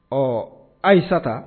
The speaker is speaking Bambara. Ɔɔ Aissata